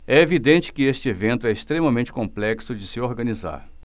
é evidente que este evento é extremamente complexo de se organizar